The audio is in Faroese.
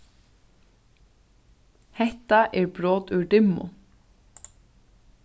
hetta er brot úr dimmu